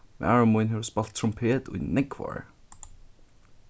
maður mín hevur spælt trompet í nógv ár